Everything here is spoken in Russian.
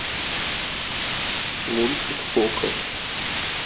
мультик фока